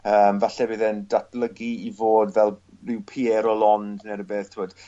yym falle bydd e'n datblygu i fod fel ryw Pier Roland ne' rwbeth t'wod